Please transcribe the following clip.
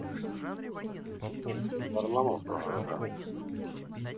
варламов про города